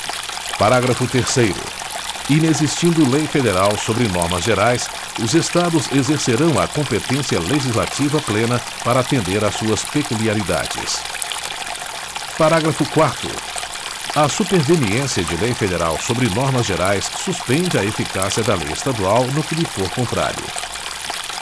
parágrafo terceiro inexistindo lei federal sobre normas gerais os estados exercerão a competência legislativa plena para atender a suas peculiaridades parágrafo quarto a superveniência de lei federal sobre normas gerais suspende a eficácia da lei estadual no que lhe for contrário